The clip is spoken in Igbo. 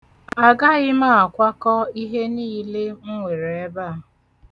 Agaghị m akwakọ ihe niile m nwere ebe a.